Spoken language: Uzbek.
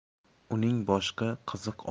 uning boshqa qiziq